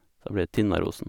Så da blir det Tinnarosen.